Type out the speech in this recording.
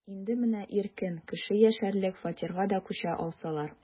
Инде менә иркен, кеше яшәрлек фатирга да күчә алсалар...